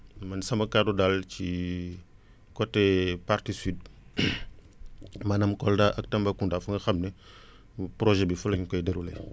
man sama kàddu daal ci côté partie sud maanaam Kolda ak Tambacounda fa nga xam ne projet bi fa lañ koy dérouler